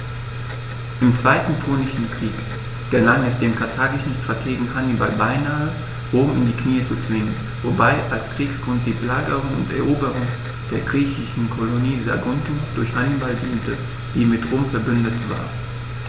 Im Zweiten Punischen Krieg gelang es dem karthagischen Strategen Hannibal beinahe, Rom in die Knie zu zwingen, wobei als Kriegsgrund die Belagerung und Eroberung der griechischen Kolonie Saguntum durch Hannibal diente, die mit Rom „verbündet“ war.